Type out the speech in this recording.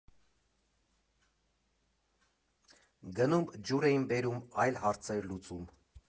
Գնում ջուր էին բերում, այլ հարցեր լուծում։